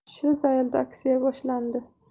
shu zaylda askiya boshlandi